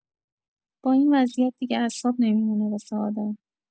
با این وضعیت دیگه اعصاب نمی‌مونه واسه آدم.